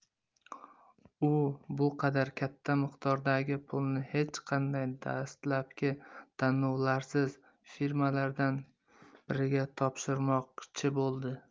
u bu qadar katta miqdordagi pulni hech qanday dastlabki tanlovlarsiz firmalardan biriga topshirmoqchi bo'ldi